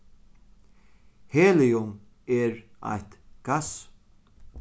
helium er eitt gass